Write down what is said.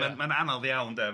ma'n ma'n anodd iawn de.